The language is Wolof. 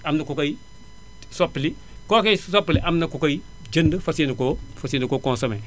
am na ku koy soppali kookee soppali am na ku koy jënd fas yéene koo fas yéene koo consommé